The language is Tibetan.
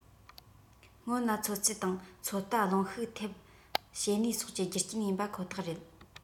སྔོན ལ ཚོད རྩིས དང ཚོད ལྟ རླུང ཤུགས ཐེབས བྱེད ནུས སོགས ཀྱི རྒྱུ རྐྱེན ཡིན པ ཁོ ཐག རེད